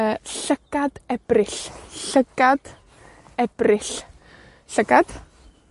Yy, Llygad Ebrill. Llygad Ebrill. Llygad,